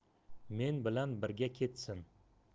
men bilan birga ketsin